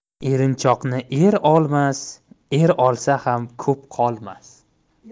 erinchoqni er olmas er olsa ham ko'p qolmas